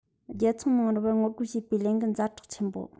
རྒྱལ འཚོང ནང རུལ པར ངོ རྒོལ བྱེད པའི ལས འགན ཛ དྲག ཆེན པོ